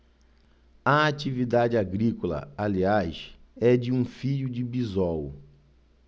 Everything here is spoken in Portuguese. a atividade agrícola aliás é de um filho de bisol